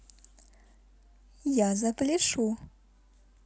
я запляшу